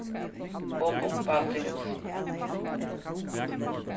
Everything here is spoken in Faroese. hon umvældi húsini